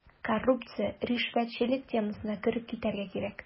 Коррупция, ришвәтчелек темасына кереп китәргә кирәк.